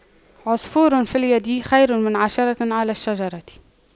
عصفور في اليد خير من عشرة على الشجرة